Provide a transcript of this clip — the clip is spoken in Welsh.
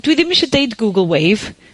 dwi ddim isie deud Google Wave,